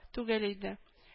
Түгел иде